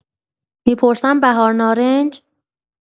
می‌پرسم بهارنارنج؟